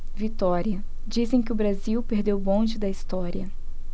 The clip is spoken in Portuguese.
vitória dizem que o brasil perdeu o bonde da história